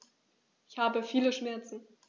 Ich habe viele Schmerzen.